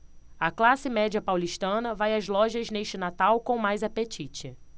a classe média paulistana vai às lojas neste natal com mais apetite